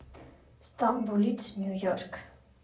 Ստամբուլից Նյու Յորք.